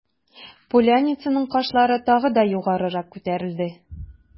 Поляницаның кашлары тагы да югарырак күтәрелде.